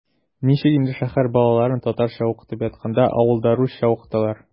Ничек инде шәһәр балаларын татарча укытып ятканда авылда русча укыталар?!